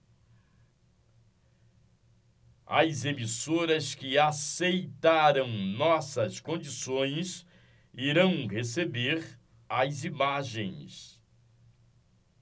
as emissoras que aceitaram nossas condições irão receber as imagens